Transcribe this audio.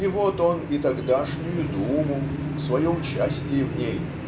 и вот он и тогдашнюю Думу свое участие в ней